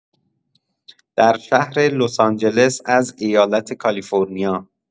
در شهر لس‌آنجلس از ایالت کالیفرنیا